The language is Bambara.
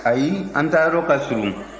ayi an taayɔrɔ ka surun